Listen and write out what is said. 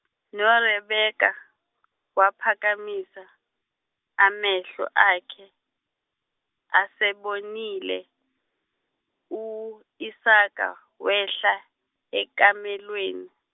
noRebeka, waphakamisa, amehlo akhe, esembonile, u Isaka, wehla ekamelweni.